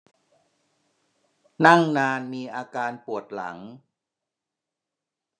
นั่งนานมีอาการปวดหลัง